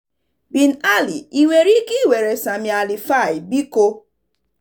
Bin Ali ị nwere ike ịwere samir alrifai biko?